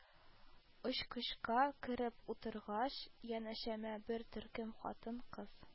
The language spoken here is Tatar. Очкычка кереп утыргач, янәшәмә бер төркем хатын-кыз